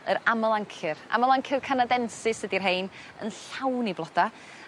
Yr Amelanchier Amelanchier canadensis ydi'r rhein yn llawn 'u bloda.